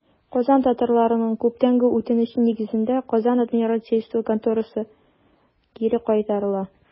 Казан татарларының күптәнге үтенече нигезендә, Казан адмиралтейство конторасы кире кайтарыла.